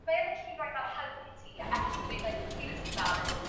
mae e'n literally'n roi fel hug i ti a jyst dweud like ma' feelings ti'n valid